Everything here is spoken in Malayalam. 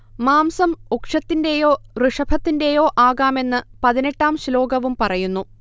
മാംസം ഉക്ഷത്തിന്റെയോ ഋഷഭത്തിന്റെയോ ആകാമെന്ന് പതിനെട്ടാം ശ്ലോകവും പറയുന്നു